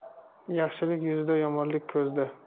yaxshilik yuzda yomonlik ko'zda